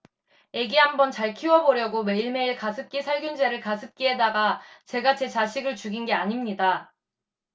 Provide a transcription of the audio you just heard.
애기 한번 잘 키워보려고 매일매일 가습기 살균제를 가습기에다가 제가 제 자식을 죽인 게 아닙니다